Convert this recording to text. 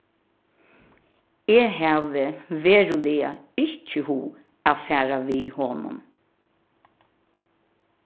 eg havi veruliga ikki hug at fara við honum